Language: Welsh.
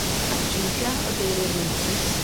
Ajuga o deulu'r mintys